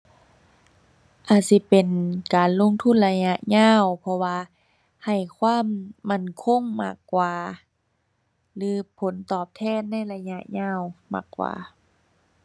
อาจสิเป็นการลงทุนระยะยาว เพราะว่าให้ความมั่นคงมากกว่าหรือผลตอบแทนในระยะยาวมากกว่า